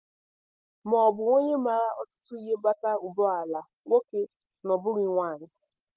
Mọọbụ onye maara ọtụtụ ihe gbasara ụgbọala — nwoke, n'abụghị nwaanyị.